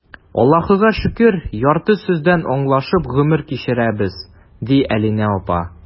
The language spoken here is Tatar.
Аллаһыга шөкер, ярты сүздән аңлашып гомер кичерәбез,— ди Алинә апа.